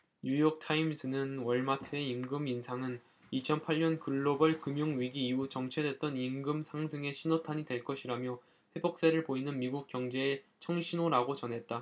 뉴욕타임스는 월마트의 임금 인상은 이천 팔 년 글로벌 금융 위기 이후 정체됐던 임금 상승의 신호탄이 될 것이라며 회복세를 보이는 미국 경제에 청신호라고 전했다